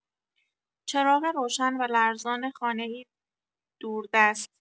چراغ روشن و لرزان خانه‌ای دوردست